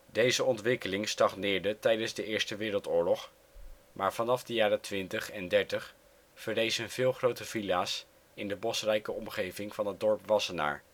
Deze ontwikkeling stagneerde tijdens de Eerste Wereldoorlog, maar vanaf de jaren twintig en dertig verrezen veel grote villa 's in de bosrijke omgeving van het dorp Wassenaar